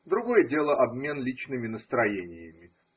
Другое дело обмен личными настроениями.